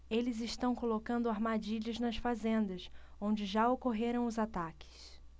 eles estão colocando armadilhas nas fazendas onde já ocorreram os ataques